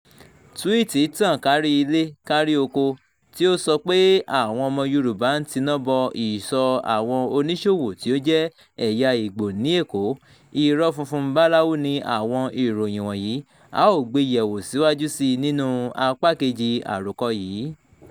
Túwíìtì tàn kárí ilé kárí oko tí ó sọ pé àwọn ọmọ Yorùbá ń tiná bọ ìsọ̀ àwọn oníṣòwò tí ó jẹ́ ẹ̀yà Igbo ní Èkó. Irọ́ funfun báláwú ni àwọn ìròyìn wọ̀nyí, a ó gbé e yẹ̀ wò síwájú sí i nínú Apá kejì àròkọ yìí.